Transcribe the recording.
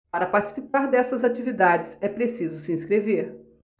para participar dessas atividades é preciso se inscrever